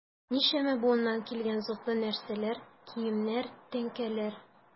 Ничәмә буыннан килгән затлы нәрсәләр, киемнәр, тәңкәләр...